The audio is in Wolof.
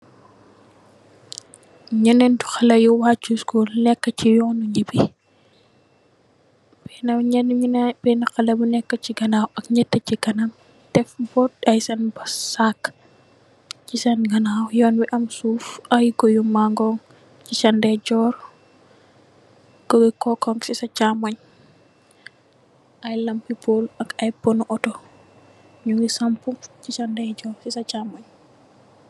Ñenenetu xali yu wachu school, nekk si yonu ñibi. Nnn nyine ben xali bu nekk ci ganaw ak ñett ci kanam def bot ay sen bos sak ci sen ganaw . Yonbi am suf ay guyu mango si sen deyjor guyu coco sen chamoy. Ay lampi pol ak ay pono moto nyungi sampu si sen deyjor si sen chamoy.